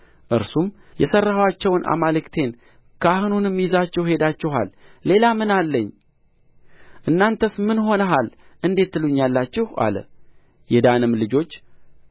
እርሱም የሠራኋቸውን አማልክቴን ካህኑንም ይዛችሁ ሄዳችኋል ሌላ ምን አለኝ እናንተስ ምን ሆነሃል እንዴት ትሉኛላችሁ አለ የዳንም ልጆች